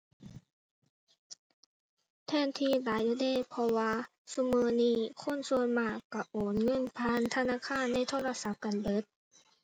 แทนที่หลายอยู่เดะ เพราะว่าซุมื้อนี้คนส่วนมาก ก็โอนเงินผ่านธนาคารในโทรศัพท์กันเบิด